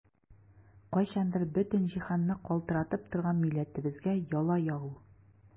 Кайчандыр бөтен җиһанны калтыратып торган милләтебезгә яла ягу!